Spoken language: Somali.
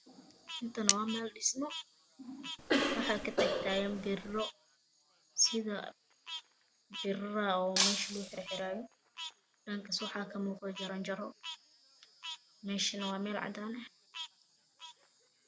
Intane waa meel dhisimo waxa ka tag tagan birro sida biraraha mesha lagu xir xerayo dhankaas waxa ka muuqdo jaran jaro meshane waa Meel cadaan a eh